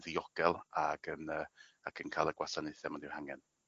ddiogel ag yn y ac yn ca'l y gwasanaethe ma' nhw 'u hangen.